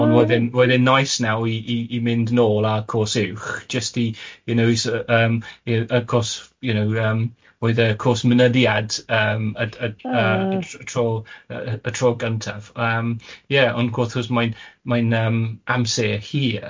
Ond roedd e'n roedd e'n nais nawr i i i mynd nôl ar y cwrs uwch jyst i you know i s- yy yym y cwrs you know yym roedd y cwrs mynediad yym... O. ...y y y tro y y tro gyntaf yym ie ond wrth gwrs mae'n mae'n yym amser hir